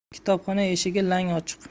kitobxona eshigi lang ochiq